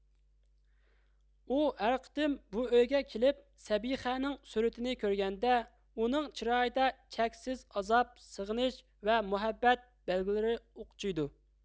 ئۇ ھەر قېتىم بۇ ئۆيگە كېلىپ سەبىخەنىڭ سۈرىتىنى كۆرگەندە ئۇنىڭ چىرايىدا چەكسىز ئازاب سېغىنىش ۋە مۇھەببەت بەلگىلىرى ئوقچۇيدۇ